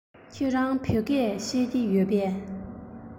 ཁྱེད རང བོད སྐད ཤེས ཀྱི ཡོད པས